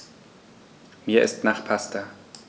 Mir ist nach Pasta.